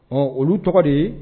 Ɔ olu tɔgɔ de ye